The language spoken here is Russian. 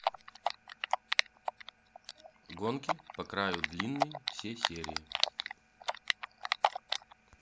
гонки по краю длинные все серии